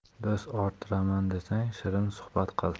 do'st orttiraman desang shirin suhbat qil